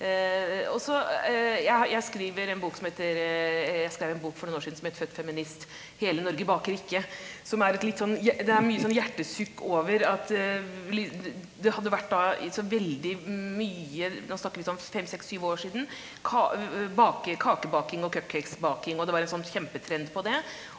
også jeg jeg skriver en bok som heter jeg skreiv en bok for noen år siden som het Født feminist hele Norge baker ikke, som er et litt sånn det er mye sånn hjertesukk over at det hadde vært da i så veldig mye nå snakker vi sånn fem seks syv år siden bake kakebaking og cupcakesbaking, og det var en sånn kjempetrend på det.